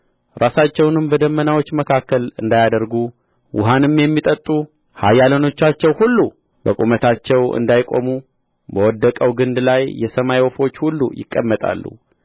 ራሳቸውንም በደመናዎች መካከል እንዳያደርጉ ውኃንም የሚጠጡ ኃያላኖቻቸው ሁሉ በቁመታቸው እንዳይቆሙ በወደቀው ግንድ ላይ የሰማይ ወፎች ሁሉ ይቀመጣሉ